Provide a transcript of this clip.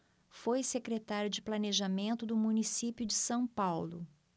foi secretário de planejamento do município de são paulo